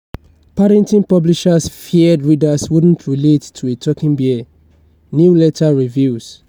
Paddington publishers feared readers wouldn't relate to a talking bear, new letter reveals